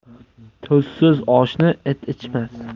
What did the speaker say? tuzsiz oshni it ichmas